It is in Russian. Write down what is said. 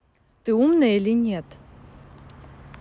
ты умная или нет